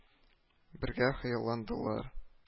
Бергә хыялландылар